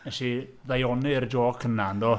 Wnes i ddaioni'r jôc yna yndo?